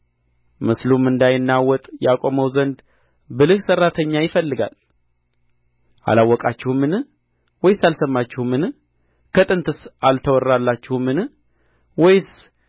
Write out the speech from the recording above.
ምስሉም እንዳይናወጥ ያቆመው ዘንድ ብልህ ሠራተኛን ይፈልጋል አላወቃችሁምን ወይስ አልሰማችሁምን ከጥንትስ አልተወራላችሁምን ወይስ